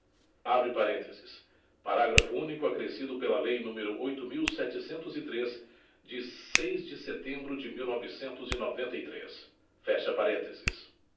abre parênteses parágrafo único acrescido pela lei número oito mil setecentos e três de seis de setembro de mil novecentos e noventa e três fecha parênteses